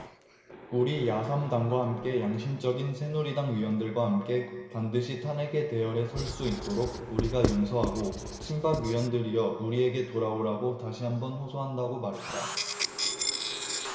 우리 야 삼 당과 함께 양심적인 새누리당 의원들과 함께 반드시 탄핵에 대열에 설 수 있도록 우리가 용서하고 친박 의원들이여 우리에게 돌아오라고 다시 한 번 호소한다고 말했다